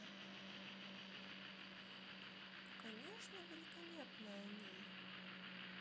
ну конечно великолепная ней